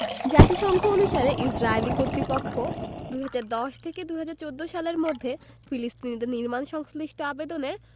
জাতিসংঘ অনুসারে ইসরাইলি কর্তৃপক্ষ ২০১০ থেকে ২০১৪ সালের মধ্যে ফিলিস্তিনিদের নির্মাণ সংশ্লিষ্ট আবেদনের